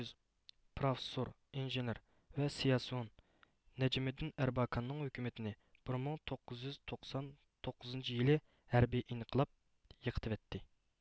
پىراففىسور ئىنژېنېر ۋە سىياسىيون نەجمىدىن ئەربەكاننىڭ ھۆكۈمىتىنى بىر مىڭ توققۇز يۈز توقسان توققۇزىنچى يىلى ھەربىي ئىنقىلاب يىقىتىۋەتتى